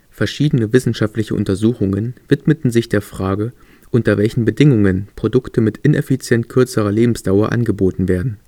Verschiedene wissenschaftliche Untersuchungen widmeten sich der Frage, unter welchen Bedingungen Produkte mit ineffizient kürzerer Lebensdauer angeboten werden